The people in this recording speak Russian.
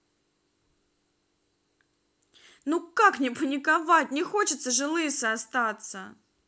ну как не паниковать не хочется же лысой остаться